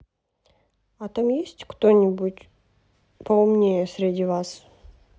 а там есть кто нибудь поумнее среди вас